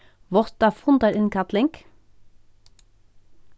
vátta fundarinnkalling